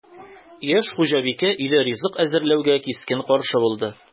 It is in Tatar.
Яшь хуҗабикә өйдә ризык әзерләүгә кискен каршы булды: